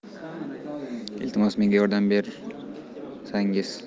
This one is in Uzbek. iltimos menga yordamlashsangiz